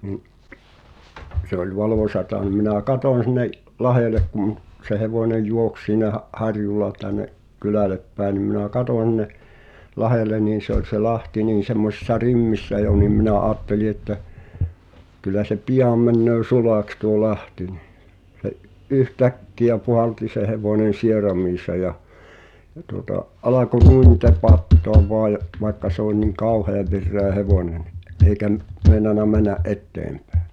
niin se oli valoisaa niin minä katsoin sinne lahdelle kun se hevonen juoksi siinä harjulla tänne kylälle päin niin minä katsoin sinne lahdelle niin se oli se lahti niin semmoisissa rimmissä jo niin minä ajattelin että kyllä se pian menee sulaksi tuo lahti niin se yhtäkkiä puhalsi se hevonen sieraimiinsa ja ja tuota alkoi tepattaa vain vaikka se oli niin kauhean vireä hevonen no eikä - meinannut mennä eteenpäin